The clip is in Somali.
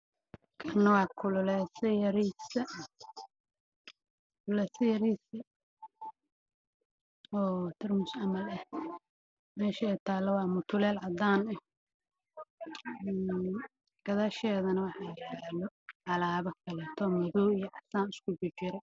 Meeshaan waxaa ka muuqdo kululeeso yar